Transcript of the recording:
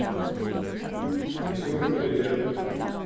eg skal nokk fáa teg at gera tað